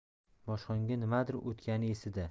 boshqonga nimadir otgani esida